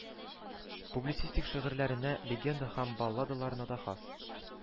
Публицистик шигырьләренә, легенда һәм балладаларына да хас